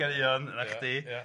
Caneuon, 'na chdi. Ia.